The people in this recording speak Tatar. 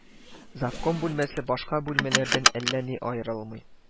Завком бүлмәсе башка бүлмәләрдән әллә ни аерылмый